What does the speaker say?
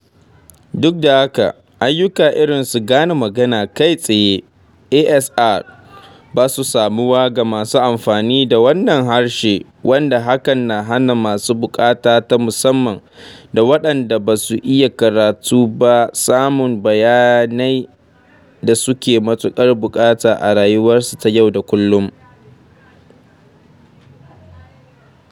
Duk da haka, ayyuka irinsu gane magana kai tsaye (ASR) ba su samuwa ga masu amfani da wannan harshe, wanda hakan na hana masu buƙata ta musamman da waɗanda ba su iya karatu ba samun bayanan da suke matuƙar buƙata a rayuwarsu ta yau da kullum.